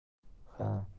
ha men jamila